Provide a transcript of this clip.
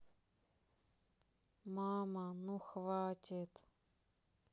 мама ну хватит